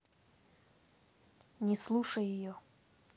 не слушай ее